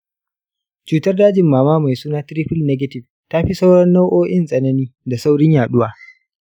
cutar dajin mama mai suna triple negative ta fi sauran nau’o’in tsanani da saurin yaduwa.